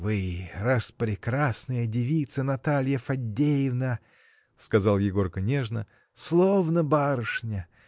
— Вы — распрекрасная девица, Наталья Фадеевна, — сказал Егорка нежно, — словно — барышня!